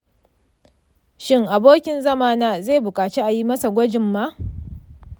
shin abokin zamana zai buƙaci a yi masa gwaji ma?